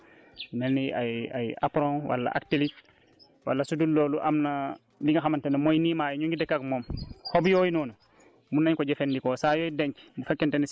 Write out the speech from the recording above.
et bu xew si jamono bi nag am na ay produit yuñ ciy faral di di def yu mel ni ay ay atron wala ay actellic wala su dul loolu am na li nga xamante ne mooy niimaa yi ñu ngi dëkk al moom